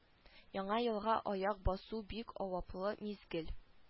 Яңа елга аяк басу бик аваплы мизгел